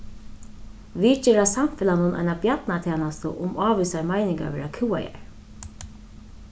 vit gera samfelagnum eina bjarnartænastu um ávísar meiningar verða kúgaðar